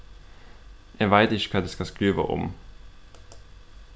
eg veit ikki hvat eg skal skriva um